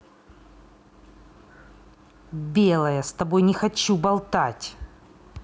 белая с тобой не хочу болтать